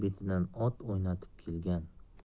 betidan ot o'ynatib kelgan